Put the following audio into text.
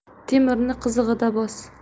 temirni qizig'ida bos